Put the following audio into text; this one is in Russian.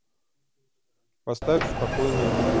поставь спокойную музыку